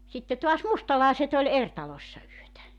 sitten taas mustalaiset oli eri taloissa yötä